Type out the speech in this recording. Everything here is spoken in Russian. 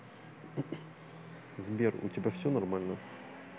сбер у тебя все нормально